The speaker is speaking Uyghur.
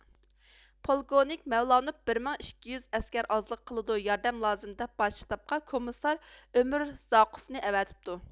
پولكوۋنىك مەۋلانوف بىر مىڭ ئىككى يۈز ئەسكەر ئازلىق قىلىدۇ ياردەم لازىم دەپ باش شتابقا كومىسسار ئۆمۈرزاقۇفنى ئەۋەتىپتۇ